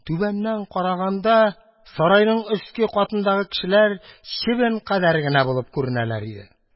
Түбәннән караганда, сарайның өске катындагы кешеләр чебен кадәр генә булып күренәләр иде.